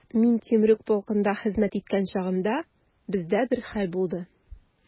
Мин Темрюк полкында хезмәт иткән чагымда, бездә бер хәл булды.